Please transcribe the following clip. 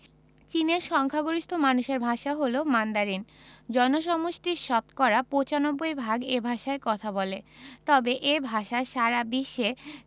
চীনের সংখ্যাগরিষ্ঠ মানুষের ভাষা হলো মান্দারিন জনসমষ্টির শতকরা ৯৫ ভাগ এ ভাষায় কথা বলে তবে এ ভাষা সারা বিশ্বে